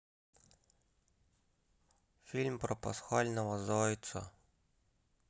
фильм про пасхального зайца